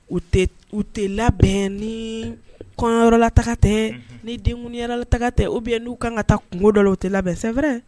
U u tɛ labɛn ni kɔnyɔrɔla taga tɛ ni denkunyala taga tɛ ubi n'u kan ka taa kungo dɔ u tɛ labɛn sɛfɛɛrɛ